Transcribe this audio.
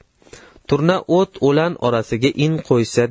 turna o't o'lan orasiga in qo'ysa